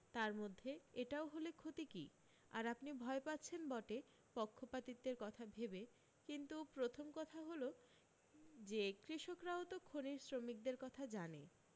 তার মধ্যে এটাও হলে ক্ষতি কী আর আপনি ভয় পাচ্ছেন বটে পক্ষপাতিত্বের কথা ভেবে কিন্তু প্রথম কথা হল যে কৃষকরাও তো খনির শ্রমিকদের কথা জানে